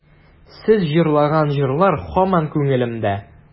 Сез җырлаган җырлар һаман күңелемдә.